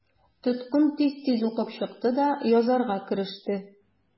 Тоткын тиз-тиз укып чыкты да язарга кереште.